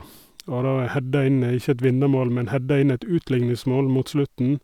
Og da heada inn, ikke et vinnermål, men heada inn et utlikningsmål mot slutten.